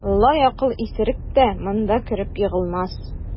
Лаякыл исерек тә монда кереп егылмас.